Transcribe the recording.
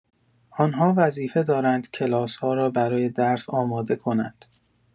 آنها وظیفه دارند کلاس‌ها را برای درس آماده کنند.